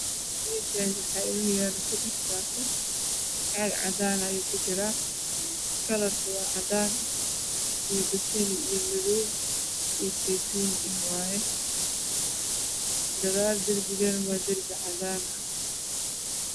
Meeshaan waxaa inoo yaala seddex saako. Caag cadaan ah ayay kujiraan kalarku waa cadaan iyo madow. Basali iyo buluug iyo saytuun gadaalna waa darbi cadaan ah.